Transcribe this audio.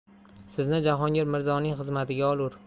sizni jahongir mirzoning xizmatiga olur